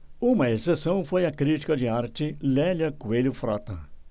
uma exceção foi a crítica de arte lélia coelho frota